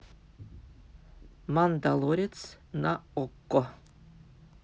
мандалорец на окко